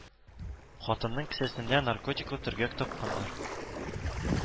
Хатынның кесәсендә наркотиклы төргәк тапканнар